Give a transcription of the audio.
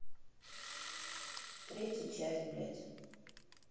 третья часть блядь